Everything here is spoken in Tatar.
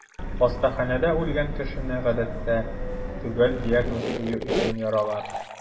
Хастаханәдә үлгән кешене, гадәттә, төгәл диагноз кую өчен яралар.